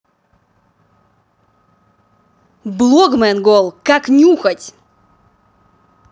blogman гол как нюхать